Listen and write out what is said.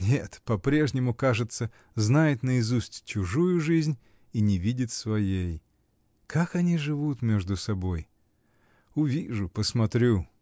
Нет, по-прежнему, кажется, знает наизусть чужую жизнь и не видит своей. Как они живут между собой. Увижу, посмотрю.